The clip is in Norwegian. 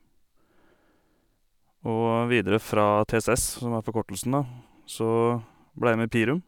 Og videre fra TSS, som er forkortelsen, da, så ble jeg med i Pirum.